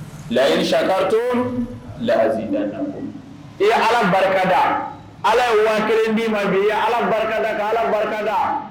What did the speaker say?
Layi sakato lada i ye ala barikada ala ye waati kelen bii ma bi i ye ala barikada ala barikada